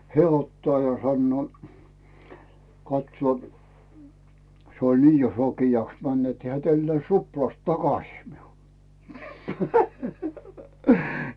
hän ottaa ja sanoo katsoo se oli niin jo sokeaksi mennyt että hän tälläsi ruplasta takaisin minulle